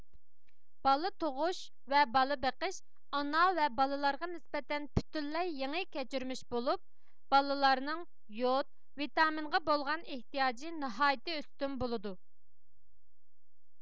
بالا تۇغۇش ۋە بالا بېقىش ئانا ۋە بالىلارغا نىسبەتەن پۈتۈنلەي يېڭى كەچۈرمىش بولۇپ بالىلارنىڭ يود ۋىتامىنغا بولغان ئېھتىياجى ناھايىتى ئۈستۈن بولىدۇ